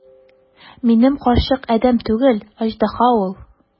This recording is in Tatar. Минем карчык адәм түгел, аждаһа ул!